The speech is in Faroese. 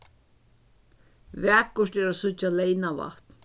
vakurt er at síggja leynavatn